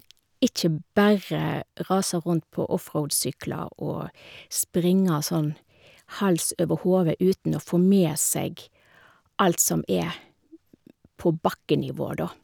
Ikke bare rase rundt på offroad-sykler og springe sånn hals over hode uten å få med seg alt som er på bakkenivå, da.